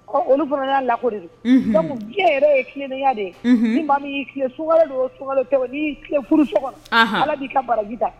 Ɔ olu fana y'a lako de diɲɛ yɛrɛ ye fiya de ye min'i tile sunka de sunkalo di'i furu so kɔnɔ ala b'i ka baraji da